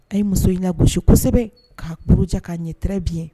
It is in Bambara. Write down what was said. A ye muso in ka gosi kosɛbɛ k'a kuruja k'a ɲɛ tre bi ye